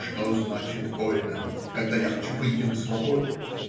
Что значит больно, когда я хочу выйти на свободу.